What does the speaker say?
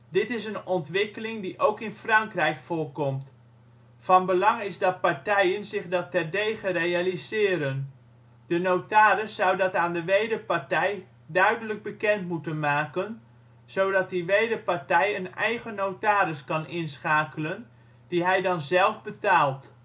Dit is een ontwikkeling die ook in Frankrijk voorkomt. Van belang is dat partijen zich dat terdege realiseren. De notaris zou dat aan de wederpartij duidelijk bekend moeten maken, zodat die wederpartij een eigen notaris kan inschakelen, die hij dan zelf betaalt